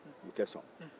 u tɛ sɔn